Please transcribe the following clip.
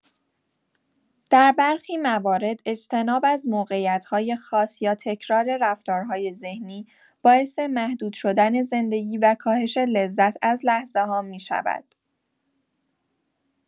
در برخی موارد، اجتناب از موقعیت‌های خاص یا تکرار رفتارهای ذهنی، باعث محدود شدن زندگی و کاهش لذت از لحظه‌ها می‌شود.